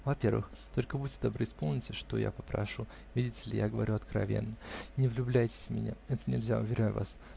во-первых (только будьте добры, исполните, что я попрошу, -- видите ли, я говорю откровенно), не влюбляйтесь в меня. Это нельзя, уверяю вас.